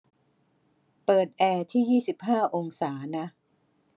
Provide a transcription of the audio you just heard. เปิดแอร์ที่ยี่สิบห้าองศานะ